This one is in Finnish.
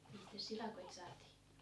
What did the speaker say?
mistäs silakoita saatiin